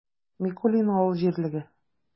Микулино авыл җирлеге